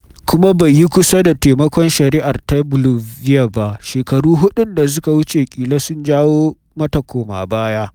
Kuma bai yi kusa da taimakon shari’ar ta Bolivia ba, shekaru huɗun da suka wuce kila sun jawo mata koma baya.